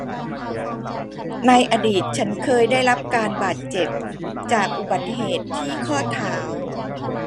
ในอดีตฉันเคยได้รับการบาดเจ็บจากอุบัติเหตุที่ข้อเท้า